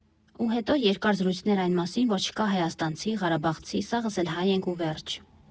Ու հետո երկար զրույցներ այն մասին, որ չկա հայաստանցի, ղարաբաղցի, սաղս էլ հայ ենք ու վերջ։